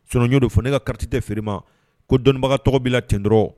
Sonjodon fo ne ka karatati tɛ feere ma ko dɔnnibaga tɔgɔ bɛ la nt dɔrɔn rɔ